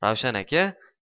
ravshan aka